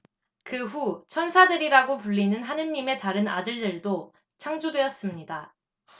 그 후 천사들이라고 불리는 하느님의 다른 아들들도 창조되었습니다